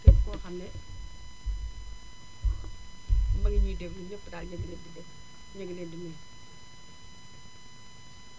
képp koo xam ne mi ngi ñuy déglu ñëpp daal ñu ngi leen di de ñu ngi leen di nuyu